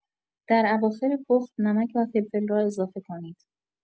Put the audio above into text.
در اواخر پخت، نمک و فلفل را اضافه کنید.